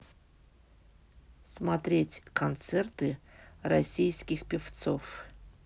смотреть концерты российских певцов